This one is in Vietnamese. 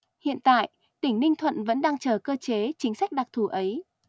hiện tại tỉnh ninh thuận vẫn đang chờ cơ chế chính sách đặc thù ấy